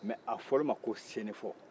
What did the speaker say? mɛ a fɔr'u ma ko sɛnɛfo